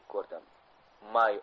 hozirlik ko'rdim